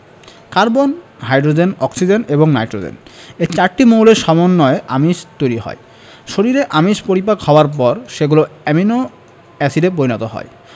carbon hydrogen oxygen এবং nitrogen এ চারটি মৌলের সমন্বয়ে আমিষ তৈরি হয় শরীরে আমিষ পরিপাক হওয়ার পর সেগুলো অ্যামাইনো এসিডে পরিণত হয়